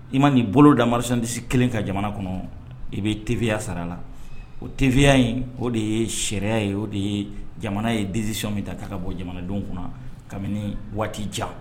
I ma n'i bolo da marisidisi kelen ka jamana kɔnɔ i bɛ tya sara la o tyɛya in o de ye sariyaya ye o de ye jamana ye desiy min ta ta ka bɔ jamanadenw kɔnɔ kabini waati ja